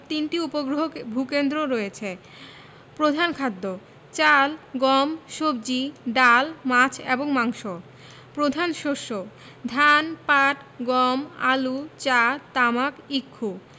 তিনটি উপগ্রহ ভূ কেন্দ্র রয়েছে প্রধান খাদ্যঃ চাল গম সবজি ডাল মাছ এবং মাংস প্রধান শস্যঃ ধান পাট গম আলু চা তামাক ইক্ষু